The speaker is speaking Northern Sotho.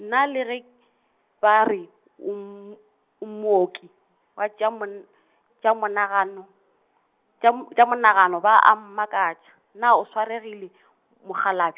nna le ge, ba re, o m-, o mooki, wa tša mon-, tša monagano, tša m-, tša monagano ba a mmakatša, na o swaregile , mokgalabje?